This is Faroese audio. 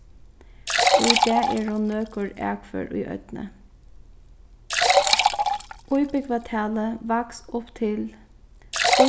í dag eru nøkur akfør í oynni íbúgvatalið vaks upp til